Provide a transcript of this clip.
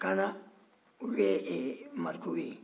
kaana olu ye marikow ye